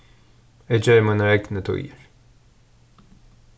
eg geri mínar egnu tíðir